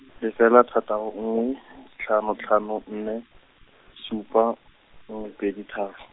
lefela thataro nngwe, tlhano tlhano nne, supa, nngwe pedi tharo.